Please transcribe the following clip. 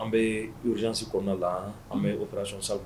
An bɛ urgence kɔnɔna la an bɛ operation salle